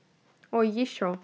ой еще